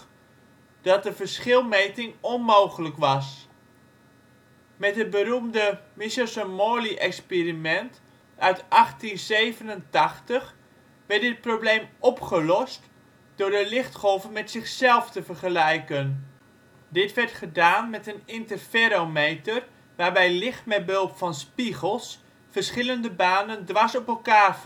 dat een verschilmeting onmogelijk was. Met het beroemde Michelson-Morley-experiment uit 1887 werd dit probleem opgelost door de lichtgolven met zichzelf te vergelijken. Dit werd gedaan met een interferometer waarbij licht met behulp van spiegels verschillende banen dwars op elkaar te laten volgen